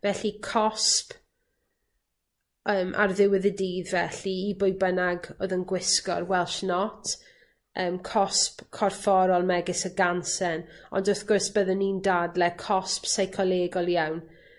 Felly cosb yym ar ddiwedd y dydd felly i bwy bynnag o'dd yn gwisgo'r Welsh Not yym cosb corfforol megis y gansen ond wrth gwrs byddwn i'n dadlau cosb seicolegol iawn